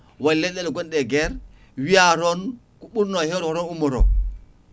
won leyɗele gonɗe e guerre wiya toon ko ɓuurno hewde ko ko toon ummoto